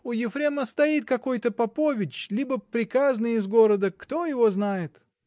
: у Ефрема стоит какой-то попович, либо приказный из города, кто его знает!